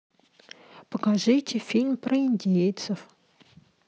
покажите фильм про индейцев